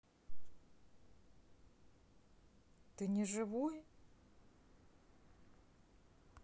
ты не живой